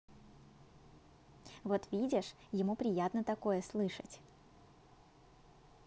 вот видишь ему приятно такое слышать